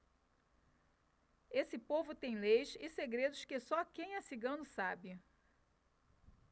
esse povo tem leis e segredos que só quem é cigano sabe